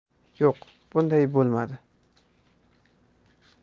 yo'q bunday bo'lmadi